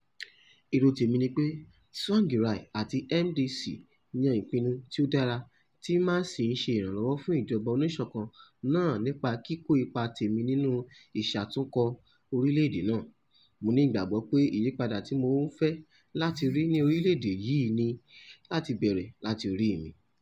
Èrò tèmi ni pé Tsvangirai àti MDC yan ìpinnu tí ó dára tí màá sì ṣe ìrànwọ́ fún ìjọba oníṣọ̀kan náà nípa kíkó ipa tèmi nínú ìṣàtúnkọ́ orílẹ̀ náà, mo ní ìgbàgbọ́ pé àyípadà tí mò ń fẹ́ láti rí ní orílẹ̀ yìí ní láti bẹ́rẹ́ láti orí mi.